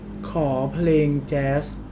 ขอเพลงแจ๊ส